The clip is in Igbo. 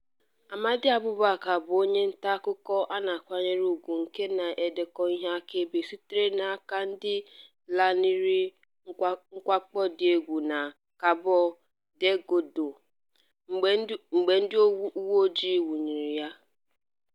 Amade Abubacar bụ onye ntaakụkọ a na-akwanyere ùgwù nke na-edekọ ihe akaebe sitere n'aka ndị lanarịrị mwakpo dị egwu na Cabo Delgado mgbe ndị uweojii nwụchiri ya.